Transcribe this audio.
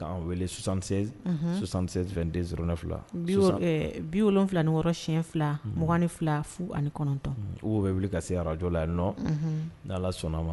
' welesansansɛ2 den ne fila bi wolo wolonwula nikɔrɔ siyɛn fila min fila fu ani kɔnɔntɔn u bɛ wuli ka se arajo la ye nɔ n' sɔnna ma